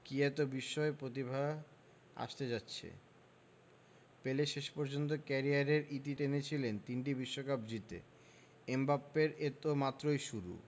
কী এত বিস্ময় প্রতিভা আসতে যাচ্ছে পেলে শেষ পর্যন্ত ক্যারিয়ারের ইতি টেনেছিলেন তিনটি বিশ্বকাপ জিতে এমবাপ্পের এ তো মাত্রই শুরু